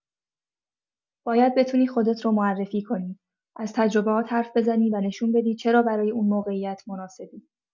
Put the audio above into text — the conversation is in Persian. باید بتونی خودت رو معرفی کنی، از تجربه‌هات حرف بزنی و نشون بدی چرا برای اون موقعیت مناسبی.